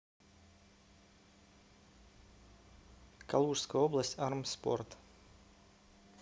калужская область армспорт